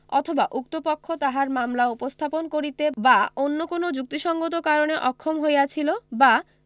অথবা উক্ত পক্ষ তাহার মামলা উপস্থাপন করিতে বা অন্য কোন যুক্তসংগত কারণে অক্ষম হইয়াছিল বা